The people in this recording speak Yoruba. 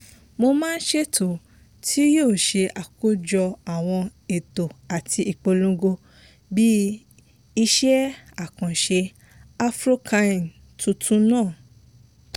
Ó máa ń ṣètò tí yóò sì ṣe àkójọ àwọn ètò àti ìpolongo bíi iṣẹ́ àkànṣe AfroCine tuntun náà.